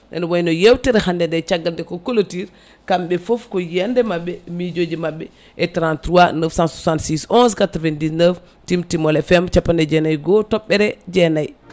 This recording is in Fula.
ene wayno yewtere hande nde caggal nde ko colture kamɓe foof ko yiyande mabɓe miijoji mabɓe e 33 966 11 99 Timtimol FM capanɗe jeenayyi e goho toɓɓere jeenayyi